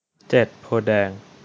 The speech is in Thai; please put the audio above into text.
เจ็ดโพธิ์แดง